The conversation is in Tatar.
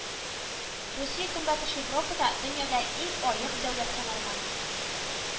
Русия Көнбатыш Европада, дөньяда иң аек дәүләт саналган